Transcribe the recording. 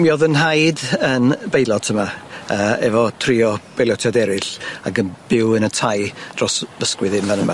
Mi o'dd fy nhaid yn beilot yma yy efo tri o beiliotiad eryll ag yn byw yn y tai dros fy 'sgwydd yn fan yma.